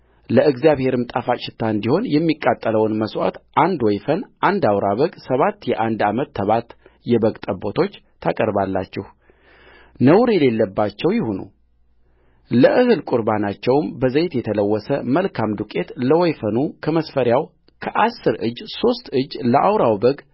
ለእግዚአብሔርም ጣፋጭ ሽታ እንዲሆን የሚቃጠለውን መሥዋዕት አንድ ወይፈን አንድ አውራ በግ ሰባት የአንድ ዓመት ተባት የበግ ጠቦቶች ታቀርባላችሁ ነውር የሌለባቸው ይሁኑለእህል ቍርባናቸውም በዘይት የተለወሰ መልካም ዱቄት ለወይፈኑ ከመስፈሪያው ከአሥር እጅ ሦስት እጅ ለአውራው በግ